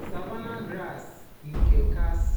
1. "Savannah Grass" nke Kes